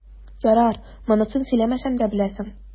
Ярар, монысын сөйләмәсәм дә беләсең.